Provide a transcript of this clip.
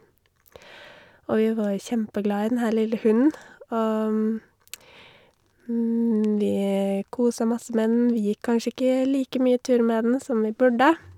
Og vi var jo kjempeglad i den her lille hunden, og vi kosa masse med den, vi gikk kanskje ikke like mye turer med den som vi burde.